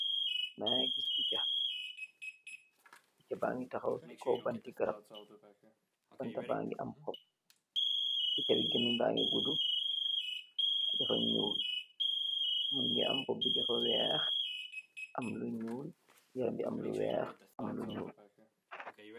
Mageh giss picha picha bagi tahaw si kaw bantee garab banta bagi aam hop picha bi gemenn bagi godu teh dafa nuul mogi am bob bi dafa weex am lu nuul geen bi aam lu weex am lu nuul.